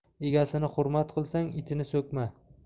egasini hurmat qilsang itini so'kma